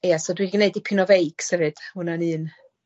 Ia so dwi 'di gneud dipyn o feics hefyd. Ma' wnna'n un